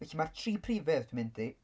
Felly mae'r tri prif beth dwi'n yn mynd i.